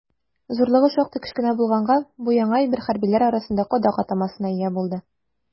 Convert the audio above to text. Зурлыгы шактый кечкенә булганга, бу яңа әйбер хәрбиләр арасында «кадак» атамасына ия булды.